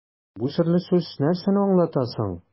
Бу серле сүз нәрсәне аңлата соң?